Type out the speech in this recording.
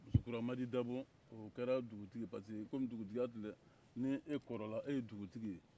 musokuramadi dabo o kɛra dugutigi parce que komi dugutiya tun tɛ ni e kɔrɔla e ye dugutigi ye